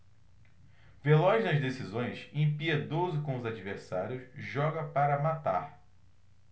veloz nas decisões impiedoso com os adversários joga para matar